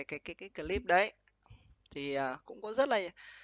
cái cái cái cờ líp đấy thì cũng có rất là